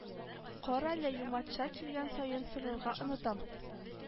Кара әле юматша килгән саен сорарга онытам